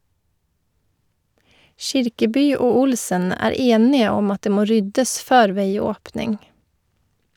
Kirkeby og Olsen er enige om at det må ryddes før veiåpning.